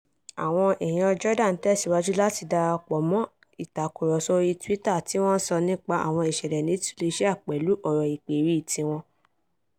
Àwọn èèyàn Jordan tẹ̀síwájú láti darapọ̀ mọ́ ìtàkúrọ̀sọ̀ orí Twitter #sidibouzid (tí ó ń sọ nípa àwọn ìṣẹ̀lẹ̀ ní Tunisia), pẹ̀lú ọ̀rọ̀ ìpèrí #angryjordan tiwọn.